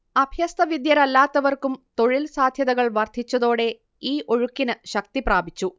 അഭ്യസ്തവിദ്യരല്ലാത്തവർക്കും തൊഴിൽ സാധ്യതകൾ വർദ്ധിച്ചതോടെ ഈ ഒഴുക്കിന് ശക്തി പ്രാപിച്ചു